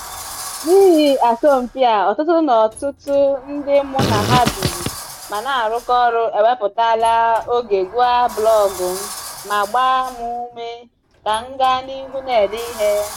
N'ihi asọmpi a, ọtụtụ na ọtụtụ ndị mụ na ha bi ma na-arụkọ ọrụ ewepụtala oge gụọ blọọgụ m ma gbaa mụ ume ka m gaa n'ihu na-ede ihe.